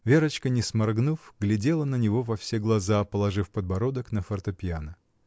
Верочка, не сморгнув, глядела на него во все глаза, положив подбородок на фортепиано.